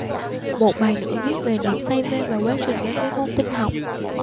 một bài nữa viết về niềm say mê và quá trình đến với môn tin học